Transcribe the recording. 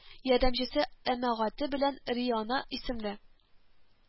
Ярдәмчесе, әмәгате белән риана исемле